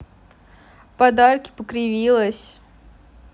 подарки покривилась